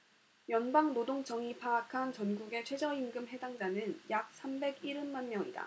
연방노동청이 파악한 전국의 최저임금 해당자는 약 삼백 일흔 만명이다